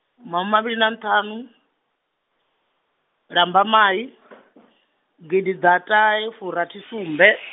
muhumimavhili na nthanu, Lambamai , gidiḓaṱahefurathisumbe.